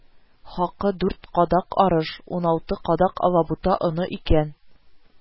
Хакы дүрт кадак арыш, уналты кадак алабута оны икән